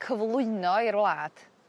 cyflwyno i'r wlad